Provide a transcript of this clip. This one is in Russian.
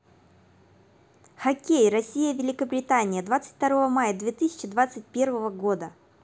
хоккей россия великобритания двадцать второго мая две тысячи двадцать первого года